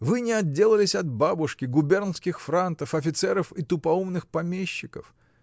Вы не отделались от бабушки, губернских франтов, офицеров и тупоумных помещиков.